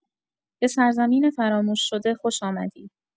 به سرزمین فراموش‌شده خوش آمدی.